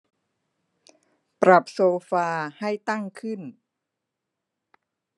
ปรับโซฟาให้ตั้งขึ้น